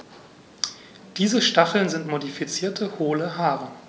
Diese Stacheln sind modifizierte, hohle Haare.